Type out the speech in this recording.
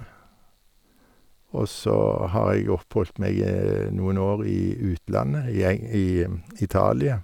Og så har jeg oppholdt meg noen år i utlandet, i eng i Italia.